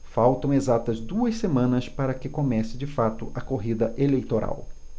faltam exatas duas semanas para que comece de fato a corrida eleitoral